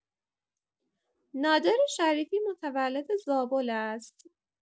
نادر شریفی متولد زابل است.